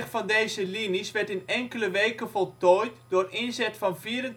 van deze linies werd in enkele weken voltooid, door inzet van 24.000